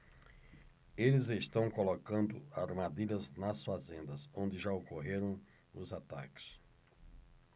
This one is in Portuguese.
eles estão colocando armadilhas nas fazendas onde já ocorreram os ataques